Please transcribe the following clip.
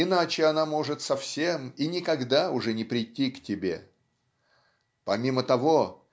иначе она может совсем и никогда уже не прийти к тебе. Помимо того